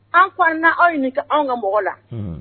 An' an' aw ɲini kɛ anw ka mɔgɔ la